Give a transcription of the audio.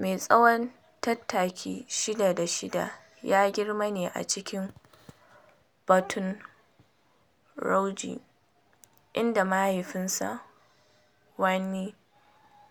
Mai tsawon tattaki 6 da 6 ya girma ne a cikin Baton Rouge, inda mahaifinsa, Wayne,